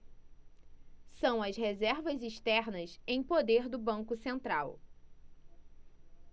são as reservas externas em poder do banco central